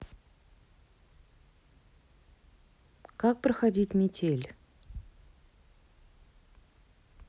как проходить метель